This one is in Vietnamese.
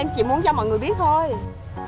em chỉ muốn cho mọi người biết thôi